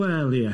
Wel, ie.